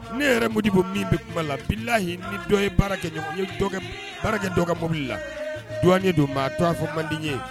Ne yɛrɛ mugudibo min bɛ kuma la bilahi ni dɔ ye baara kɛ baarakɛ dɔgɔ ka mobili la dɔgɔ ye don maa to'a fɔ man ye